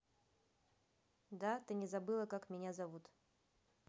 да ты не забыла как меня зовут